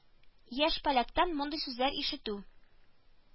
Яшь поляктан мондый сүзләр ишетү